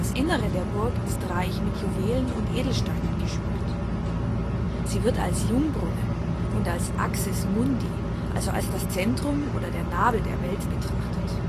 Innere der Burg ist reich mit Juwelen und Edelsteinen geschmückt. Sie wird als Jungbrunnen und als Axis Mundi, also als das Zentrum oder der Nabel der Welt betrachtet